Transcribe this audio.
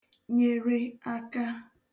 nyere aka